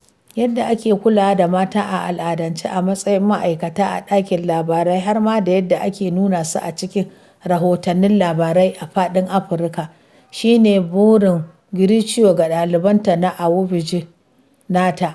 Yadda ake kulawa da mata a al'adance— a matsayin ma’aikata a ɗakin labarai, har ma da yadda ake nuna su a cikin rahotannin labarai a fadin Afirka — shi ne burin Gicheru ga daliban ta na AWJP nata.